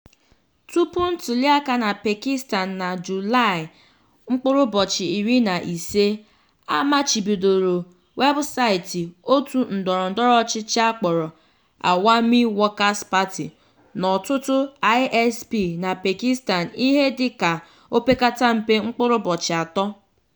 Tupu ntuliaka na Pakistan na Julaị 25, amachibidoro webụsaịtị òtù ndọrọndọrọ ọchịchị a kpọrọ Awami Workers Party n'ọtụtụ ISP na Pakistan ihe dị ka opekata mpe mkpụrụ ụbọchị atọ.